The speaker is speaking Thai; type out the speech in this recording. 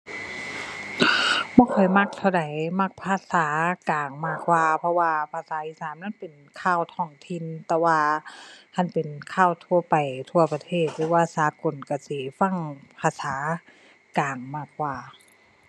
บ่ค่อยมักเท่าใด มักภาษากลางมากกว่า เพราะว่าภาษาอีสานมันเป็นข่าวท้องถิ่น แต่ว่าคันเป็นข่าวทั่วไป ทั่วประเทศ หรือว่าสากลก็สิฟังภาษากลางมากกว่า